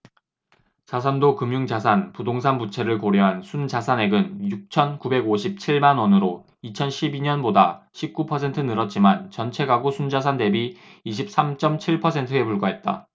자산도 금융자산 부동산 부채를 고려한 순자산액은 육천 구백 오십 칠 만원으로 이천 십 이 년보다 십 구 퍼센트 늘었지만 전체가구 순자산 대비 이십 삼 쩜 칠 퍼센트에 불과했다